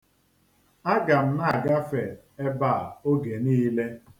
Aga m na-agafe ebe a oge niile.